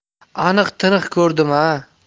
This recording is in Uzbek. aniq taniq ko'rdim a